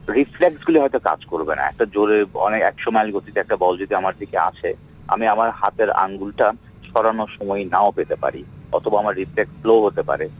reflex গুলি হয়তো কাজ করবে না এত জোরে অনেক ১০০ মাইল গতিতে কোন বল যদি আমার কাছে আসে আমার হাতের আঙুলটা সরানোর সময় নাও পেতে পারি অথবা আমার রিফ্লেক্স স্লোও হতে পারে